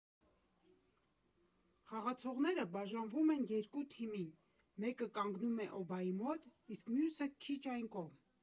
Խաղացողները բաժանվում են երկու թիմի, մեկը կանգնում է օբայի մոտ, իսկ մյուսը՝ քիչ այն կողմ։